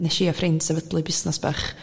neshi a ffrind sefydlu busnas bach